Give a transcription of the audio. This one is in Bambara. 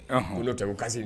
Ɔnhɔn, ko n'o tɛ ko Kasimu